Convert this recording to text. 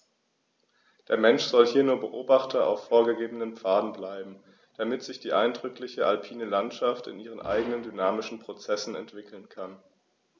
Der Mensch soll hier nur Beobachter auf vorgegebenen Pfaden bleiben, damit sich die eindrückliche alpine Landschaft in ihren eigenen dynamischen Prozessen entwickeln kann.